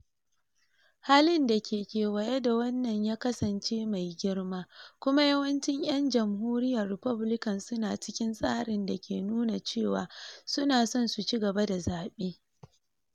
Halin da ke kewaye da wannan ya kasance mai girma, kuma yawancin 'yan Jamhuriyyar Republican su na cikin tsarin dake nuna cewa su na son ci gaba da zabe.